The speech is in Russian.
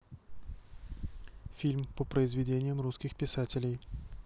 фильм по произведениям русских писателей